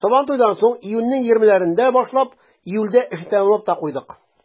Сабантуйдан соң, июньнең 20-ләрендә башлап, июльдә эшне тәмамлап та куйдык.